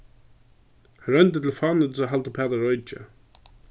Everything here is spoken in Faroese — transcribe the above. hann royndi til fánýtis at halda uppat at roykja